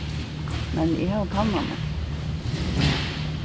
men eg havi kannað meg